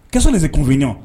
Quels sont les inconvenients?